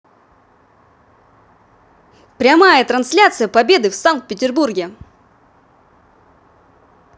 прямая трансляция победы в санкт петербурге